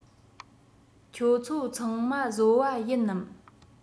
ཁྱོད ཚོ ཚང མ བཟོ པ ཡིན ནམ